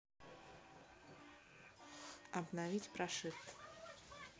обновить прошивку